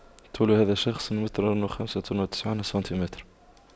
طول هذا الشخص متر وخمسة وتسعون سنتيمتر